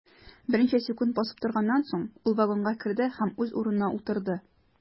Берничә секунд басып торганнан соң, ул вагонга керде һәм үз урынына утырды.